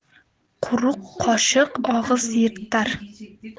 quruq qoshiq og'iz yirtar